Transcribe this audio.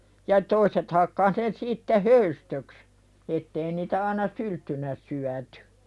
ja toiset hakkasi ne sitten höystöksi että ei niitä aina sylttynä syöty